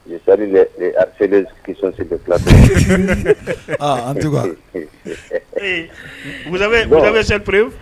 Ri feere kisɔnse an seurre